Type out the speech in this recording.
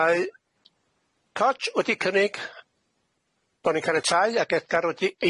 Mae Koch wedi cynnig bo' ni'n caniatáu ag Egar wedi